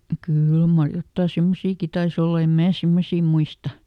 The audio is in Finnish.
kyllä mar jotakin semmoisiakin taisi olla en minä semmoisia muista